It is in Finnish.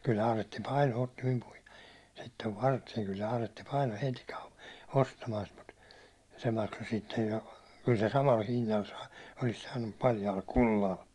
kyllä Aaretti painoi otti minun puheen sitten varteen kyllä Aaretti painoi heti - ostamaan sitä mutta se maksoi sitten jo kyllä se samalla hinnalla - olisi saanut mutta paljaalla kullalla